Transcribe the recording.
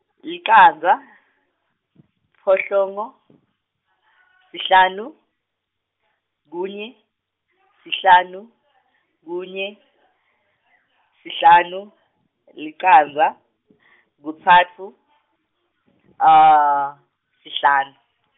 licandza siphohlongo sihlanu kunye sihlanu kunye sihlanu licandza kutsatfu sihlanu.